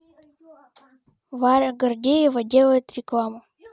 варя гордеева делает рекламу